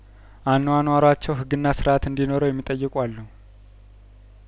አኗኗራቸው ህግና ስርአት እንዲ ኖረው የሚጠይቁ አሉ